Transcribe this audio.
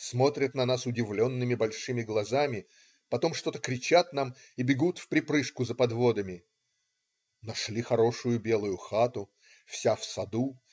Смотрят на нас удивленными большими глазами, потом что-то кричат нам и бегут вприпрыжку за подводами. Нашли хорошую белую хату. Вся в саду.